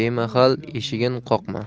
bemahal eshigin qoqma